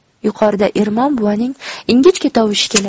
yuqorida ermon buvaning ingichka tovushi keladi